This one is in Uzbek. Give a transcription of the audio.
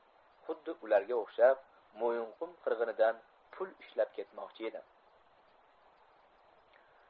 xuddi ularga o'xshab mo'yinqum qirg'inidan pul ishlab ketmoqchi edi